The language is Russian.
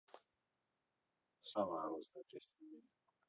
самая грустная песня в мире